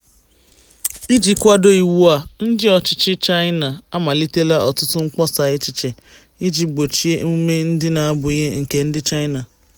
Iji kwado iwu a, ndị ọchịchị China amalitela ọtụtụ mkpọsa echiche iji gbochie emume ndị n'abụghị nke ndị China.